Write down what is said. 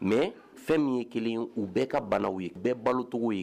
Mais fɛn min ye kelen ye, u bɛɛ ka banaw ye bɛɛ balocogo ye